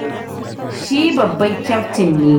Shi babban kyaftin ne.